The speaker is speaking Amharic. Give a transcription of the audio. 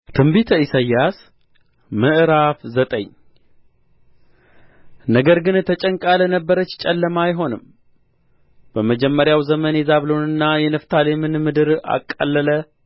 ትንቢተ ኢሳይያስ ምዕራፍ ዘጠኝ ነገር ግን ተጨንቃ ለነበረች ጨለማ አይሆንም በመጀመሪያው ዘመን የዛብሎንንና የንፍታሌምን ምድር አቃለለ